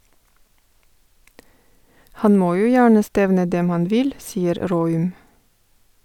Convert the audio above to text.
Han må jo gjerne stevne dem han vil, sier Raaum.